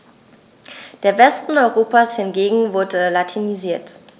Der Westen Europas hingegen wurde latinisiert.